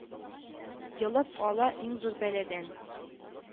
Йолып ала иң зур бәладән